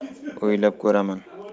o'ylab ko'raman